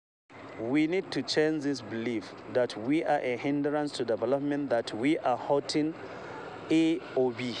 We need to change this belief that we are a hindrance to development, that we are hurting A or B.